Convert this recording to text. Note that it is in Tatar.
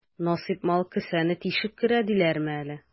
Насыйп мал кесәне тишеп керә диләрме әле?